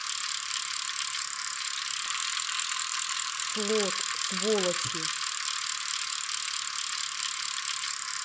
slot сволочи